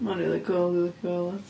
Mae'n rili cŵl, dwi'n licio fo lot.